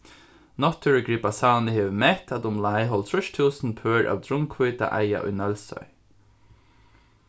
náttúrugripasavnið hevur mett at umleið hálvtrýss túsund pør av drunnhvíta eiga í nólsoy